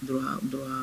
Don dɔ